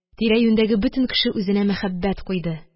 Тирә-юньдәге бөтен кеше үзенә мәхәббәт куйды